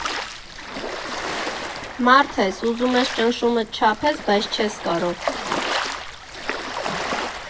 Մարդ ես՝ ուզում ես ճնշումդ չափես, բայց չես կարող։